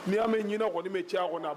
N'i y'a mɛn ɲinɛ kɔni bɛ cɛya kɔnɔ